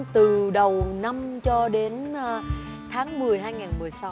từ đầu năm cho đến tháng mười hai ngàn mười sáu